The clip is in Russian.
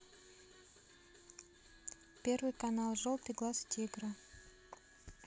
первый канал желтый глаз тигра